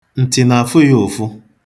Ntị na-afụ ya ụfụ.